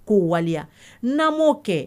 Ko waliya nan mo kɛ